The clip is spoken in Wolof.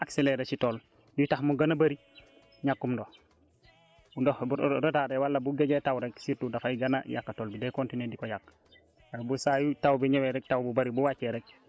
waaye nag genre attaque yooyu bu feeñee rek surtout lu koy gën a accélérer ci tool liy tax mu gën a bëri ñàkkum ndox ndox bu retard wala bu gëjee taw rek surtout dafay gën a yàq tool bi day continuer di ko yàq